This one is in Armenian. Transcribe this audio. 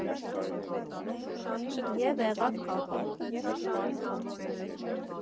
Եվ եղավ կապը.